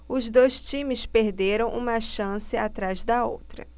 os dois times perderam uma chance atrás da outra